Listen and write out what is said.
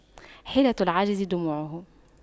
حيلة العاجز دموعه